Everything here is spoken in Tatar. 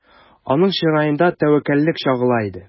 Аның чыраенда тәвәккәллек чагыла иде.